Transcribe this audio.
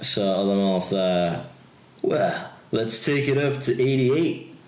So oedd o'n meddwl fatha "well, let's take it up to eighty eight".